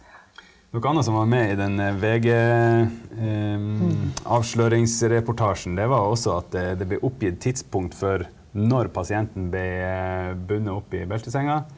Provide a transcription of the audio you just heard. noe annet som var med i den VG-avsløringsreportasjen, det var også at det det blir oppgitt tidspunkt for når pasienten ble bundet opp i beltesenga.